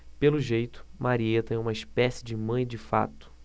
pelo jeito marieta é uma espécie de mãe de fato